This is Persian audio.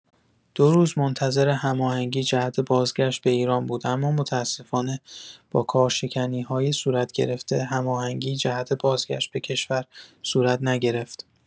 دو روز منتظر هماهنگی جهت بازگشت به ایران بود اما متاسفانه با کارشکنی‌های صورت گرفته، هماهنگی جهت بازگشت به کشور صورت نگرفت